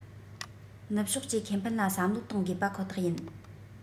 ནུབ ཕྱོགས ཀྱི ཁེ ཕན ལ བསམ བློ གཏོང དགོས པ ཁོ ཐག ཡིན